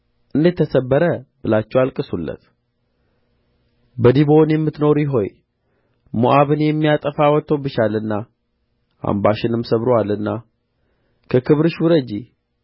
እንዴት ተሰበረ ብላችሁ አልቅሱለት በዲቦን የምትኖሪ ሆይ ሞዓብን የሚያጠፋ ወጥቶብሻልና አምባሽንም ሰብሮአልና ከክብርሽ ውረጂ